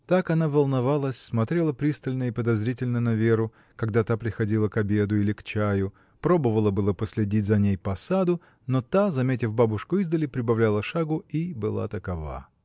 Так она волновалась, смотрела пристально и подозрительно на Веру, когда та приходила к обеду и к чаю, пробовала было последить за ней по саду, но та, заметив бабушку издали, прибавляла шагу и была такова.